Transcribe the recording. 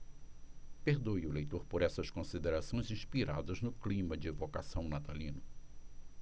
perdoe o leitor por essas considerações inspiradas no clima de evocação natalino